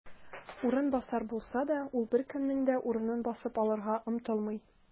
"урынбасар" булса да, ул беркемнең дә урынын басып алырга омтылмый.